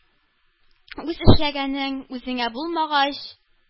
Үз эшләгәнең үзеңә булмагач,